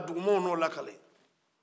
dugu mɔgɔw na o lakale